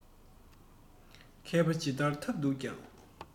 མཁས པ ཇི ལྟར ཐབས རྡུགས ཀྱང